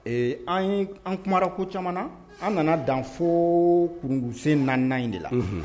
Ee an kumara ko caman an nana dan fo kunsen na na de la